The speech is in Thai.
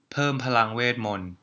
เพิ่มพลังเวทมนต์